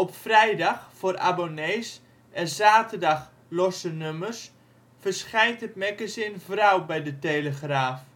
vrijdag (voor abonnees) en zaterdag (losse nummers) verschijnt het magazine Vrouw bij De Telegraaf